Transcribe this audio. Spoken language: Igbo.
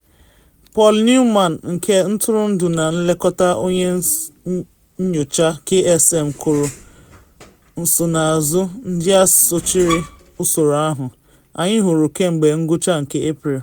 Paul Newman, nke ntụrụndụ na nlekọta onye nyocha RSM kwuru: “Nsonaazụ ndị a sochiri usoro ahụ anyị hụrụ kemgbe ngwụcha nke Eprel.